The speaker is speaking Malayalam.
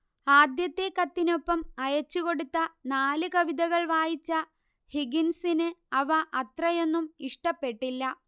ആദ്യത്തെ കത്തിനൊപ്പം അയച്ചുകൊടുത്ത നാല് കവിതകൾ വായിച്ച ഹിഗിൻസിന് അവ അത്രയൊന്നും ഇഷ്ടപ്പെട്ടില്ല